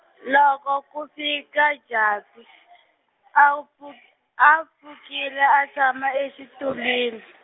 loko ku fika Japi, a pfu- a pfukile a tshama exitulwini.